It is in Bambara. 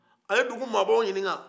a ye dugu maabaw ɲininka